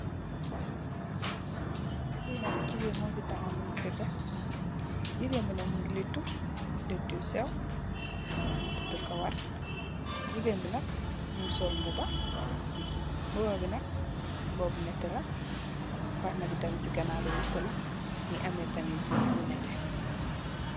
Fi nak jigeen mofi tahaw mingi sega jigeen bi nak mogi letu letu yu sew letu kawar jigeen bi nak mingi sol bubah bubah bi nak bubah bu nete lah bahana bi tarmit ci ganaaw lo nete la mingi ammi tarmit bomm yu nete.